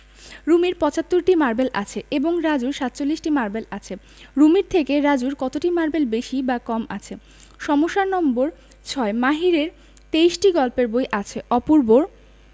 রুমির ৭৫টি মারবেল আছে এবং রাজুর ৪৭টি মারবেল আছে রুমির থেকে রাজুর কয়টি মারবেল বেশি বা কম আছে সমস্যা নম্বর ৬ মাহিরের ২৩টি গল্পের বই আছে অপূর্বর